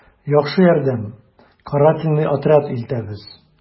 «яхшы ярдәм, карательный отряд илтәбез...»